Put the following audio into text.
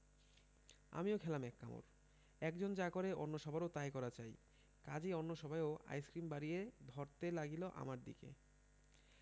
আমিও খেলাম এক কামড় একজন যা করে অন্য সবারও তাই করা চাই কাজেই অন্য সবাইও আইসক্রিম বাড়িয়ে ধরতে লাগিল আমার দিকে